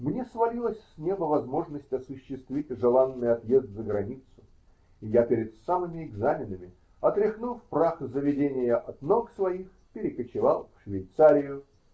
Мне свалилась с неба возможность осуществить желанный отъезд за границу, и я перед самыми экзаменами, отряхнув прах заведения от ног своих, перекочевал в Швейцарию